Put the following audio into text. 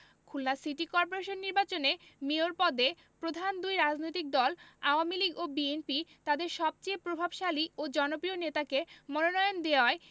Khulna city corporation নির্বাচনে mayor পদে প্রধান দুই রাজনৈতিক দল আওয়ামী লীগ ও বিএনপি তাদের সবচেয়ে প্রভাবশালী ও জনপ্রিয় নেতাকে মনোনয়ন দেওয়ায়